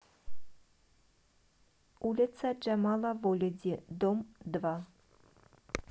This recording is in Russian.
улица джамала волиди дом два